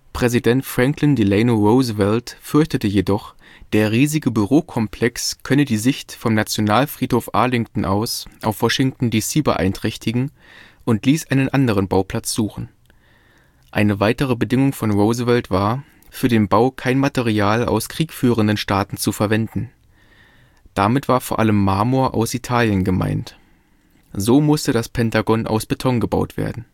Präsident Franklin Delano Roosevelt fürchtete jedoch, der riesige Bürokomplex könne die Sicht vom Nationalfriedhof Arlington aus auf Washington (D.C.) beeinträchtigen, und ließ einen anderen Bauplatz suchen. Eine weitere Bedingung von Roosevelt war, für den Bau kein Material aus kriegführenden Staaten zu verwenden. Damit war vor allem Marmor (aus Italien) gemeint. So musste das Pentagon aus Beton gebaut werden